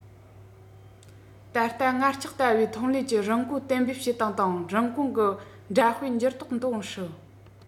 ད ལྟ ངར ལྕགས ལྟ བུའི ཐོན ལས ཀྱི རིན གོང གཏན འབེབས བྱེད སྟངས དང རིན གོང གི འདྲ དཔེ འགྱུར ལྡོག གཏོང སྲིད